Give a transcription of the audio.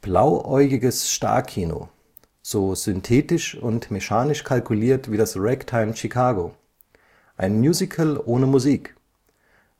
Blauäugiges Starkino, so synthetisch und mechanisch kalkuliert wie das Ragtime-Chicago: ein Musical ohne Musik.